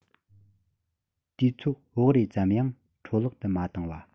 དུས ཚོད བག རེ ཙམ ཡང འཕྲོ བརླག ཏུ མ བཏང བ